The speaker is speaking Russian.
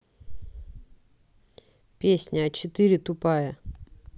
песня а четыре тупая